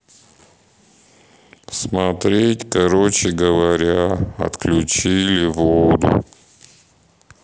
смотреть короче говоря отключили воду